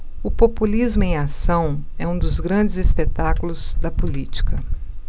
o populismo em ação é um dos grandes espetáculos da política